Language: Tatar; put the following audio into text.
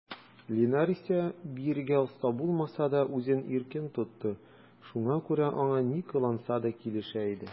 Линар исә, биергә оста булмаса да, үзен иркен тотты, шуңа күрә аңа ни кыланса да килешә иде.